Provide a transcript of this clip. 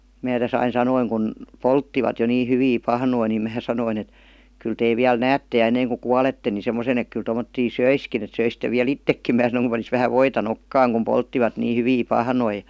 minä tässä aina sanoin kun polttivat jo niin hyviä pahnoja niin minä sanoin että kyllä te vielä näette ja ennen kuin kuolette niin semmoisen että kyllä tuommoisia söisikin että söisitte vielä itsekin minä sanoin kun panisi vähän voita nokkaan kun polttivat niin hyviä pahnoja